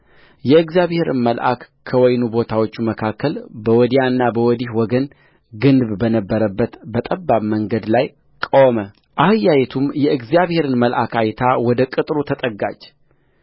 የእግዚአብሔርም መልአክ ከወይኑ ቦታዎች መካከል በወዲያና በወዲህ ወገን ግንብ በነበረበት በጠባብ መንገድ ላይ ቆመአህያይቱም የእግዚአብሔርን መልአክ አይታ ወደ ቅጥሩ ተጠጋች